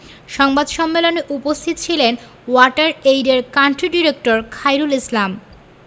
সংবাদ সম্মেলনে উপস্থিত ছিলেন ওয়াটার এইডের কান্ট্রি ডিরেক্টর খায়রুল ইসলাম